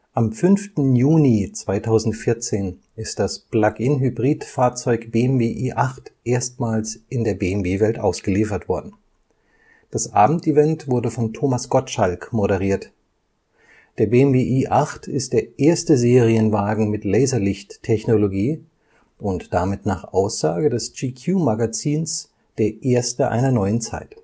Am 5. Juni 2014 ist das Plug-in-Hybrid Fahrzeug BMW i8 erstmals in der BMW Welt ausgeliefert worden. Das Abendevent wurde von Thomas Gottschalk moderiert. Der BMW i8 ist der erste Serienwagen mit Laserlicht-Technologie und damit nach Aussage des GQ-Magazins „ der erste einer neuen Zeit